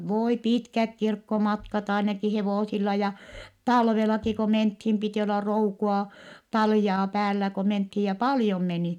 voi pitkät kirkkomatkat ainakin hevosilla ja talvellakin kun mentiin piti olla roukua taljaa päällä kun mentiin ja paljon meni